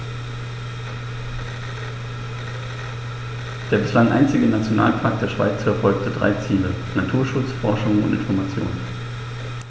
Der bislang einzige Nationalpark der Schweiz verfolgt drei Ziele: Naturschutz, Forschung und Information.